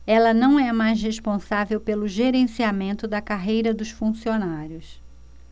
ela não é mais responsável pelo gerenciamento da carreira dos funcionários